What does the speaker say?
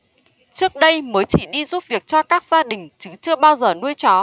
trước đây mới chỉ đi giúp việc cho các gia đình chứ chưa bao giờ nuôi chó